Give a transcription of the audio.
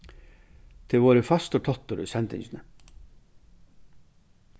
tað er vorðið fastur táttur í sendingini